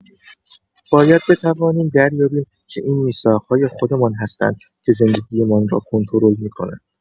باید بتوانیم دریابیم که این میثاق‌های خودمان هستند که زندگی‌مان را کنترل می‌کنند.